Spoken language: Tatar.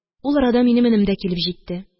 Ул арада минем энем дә килеп җитте